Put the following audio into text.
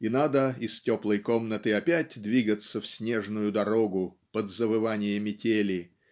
и надо из теплой комнаты опять двигаться в снежную дорогу под завывание метели